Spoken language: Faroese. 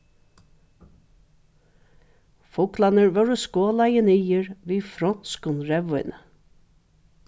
fuglarnir vóru skolaðir niður við fronskum reyðvíni